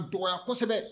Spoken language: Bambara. Dɔgɔ kosɛbɛ